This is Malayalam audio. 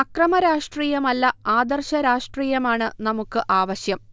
അക്രമ രാഷ്ട്രീയമല്ല ആദർശ രാഷട്രീയമാണ് നമുക്ക് ആവശ്യം